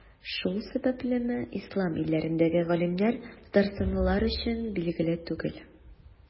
Шул сәбәплеме, Ислам илләрендәге галимнәр Татарстанлылар өчен билгеле түгел.